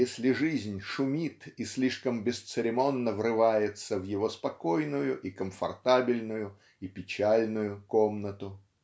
если жизнь шумит и слишком бесцеремонно врывается в его спокойную и комфортабельную и печальную комнату.